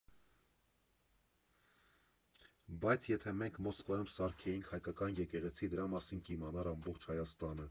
Բայց եթե մենք Մոսկվայում սարքեինք հայկական եկեղեցի, դրա մասին կիմանար ամբողջ Հայաստանը։